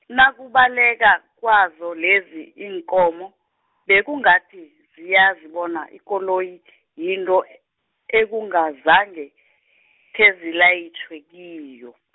nokubaleka kwazo lezi iinkomo, bekungathi ziyazi bona ikoloyi , yinto, e- ekungazange , khezilayitjhwe kiyo.